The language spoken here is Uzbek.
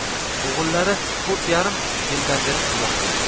o'g'illari to'rt yarim yildan beri qamoqda ekan